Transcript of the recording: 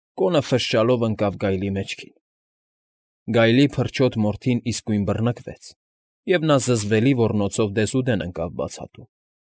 Կոնը ֆշշալով ընկավ գայլի մեջքին։ Գայլի փրչոտ մորթին իսկույն բռնկվեց, և նա զզվելի ոռնոցով դեսուդեն ընկավ բացատում։